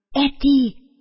Әти